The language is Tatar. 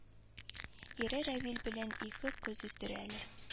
Ире равил белән ике кыз үстерәләр